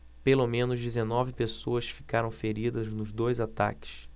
pelo menos dezenove pessoas ficaram feridas nos dois ataques